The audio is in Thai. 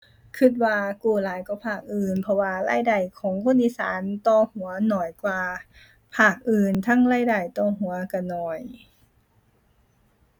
คิดว่ากู้หลายกว่าภาคอื่น เพราะว่ารายได้ของคนอีสานต่อหัวน้อยกว่าภาคอื่น ทั้งรายได้ต่อหัวคิดน้อย